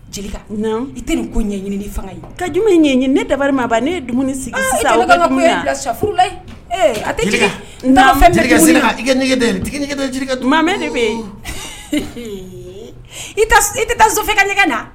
I tɛ ko ɲɛɲini fanga ye ka ɲɛɲini ne dabaliri a ne ye dumuni sigi ka sa a tɛ n tumamɛ i tɛ taa sofe ka nɛgɛgɛn na